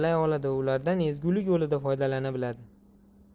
oladi va ulardan ezgulik yo'lida foydalana biladi